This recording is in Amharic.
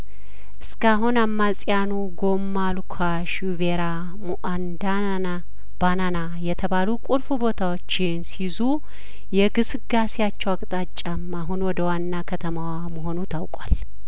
እስካሁን አማጺያኑ ጐማ ሉካሽ ዩቬራሙ አንዳናና ባናና የተባሉ ቁልፍ ቦታዎችን ሲይዙ የግስጋሴያቸው አቅጣጫም አሁን ወደ ዋና ከተማዋ መሆኑ ታውቋል